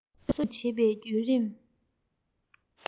གསོ སྐྱོང བྱེད པའི བརྒྱུད རིམ